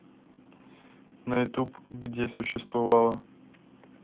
на ютуб где существовала